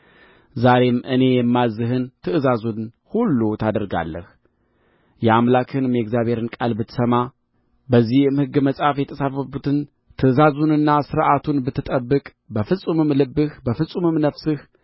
ዛሬም እኔ የማዝዝህን ትእዛዙን ሁሉ ታደርጋለህ የአምላክህንም የእግዚአብሔርን ቃል ብትሰማ በዚህም ሕግ መጽሐፍ የተጻፉትን ትእዛዙንና ሥርዓቱን ብትጠብቅ በፍጹምም ልብህ በፍጹምም ነፍስህ